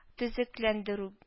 Төзекләндерү